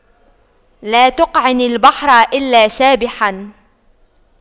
لا تقعن البحر إلا سابحا